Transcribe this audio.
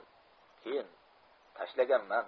keyin tashlaganman